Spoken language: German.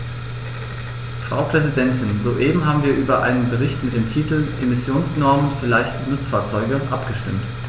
Frau Präsidentin, soeben haben wir über einen Bericht mit dem Titel "Emissionsnormen für leichte Nutzfahrzeuge" abgestimmt.